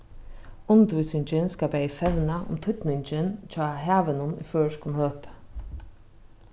undirvísingin skal bæði fevna um týdningin hjá havinum í føroyskum høpi